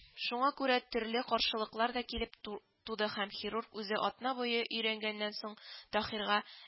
Шуңа күрә төрле каршылыклар да килеп ту туды һәм хирург, үзе атна буе өйрәнгәннән соң, таһирга ә